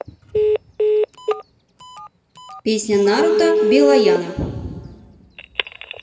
песня наруто балаяна